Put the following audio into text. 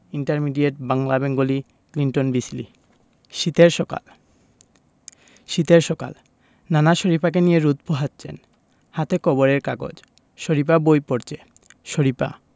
intermediate Bangla Bengali Clinton B সিলি শীতের সকাল শীতের সকাল নানা শরিফাকে নিয়ে রোদ পোহাচ্ছেন হাতে খবরের কাগজ শরিফা বই পড়ছে শরিফা